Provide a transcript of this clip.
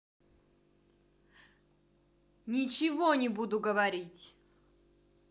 ничего не буду говорить